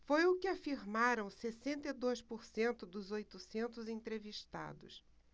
foi o que afirmaram sessenta e dois por cento dos oitocentos entrevistados